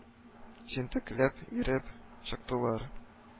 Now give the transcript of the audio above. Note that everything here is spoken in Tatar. Җентекләп йөреп чыктылар